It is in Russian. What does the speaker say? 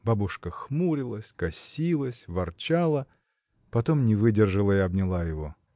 Бабушка хмурилась, косилась, ворчала, потом не выдержала и обняла его.